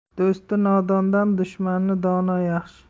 do'sti nodondan dushmani dono yaxshi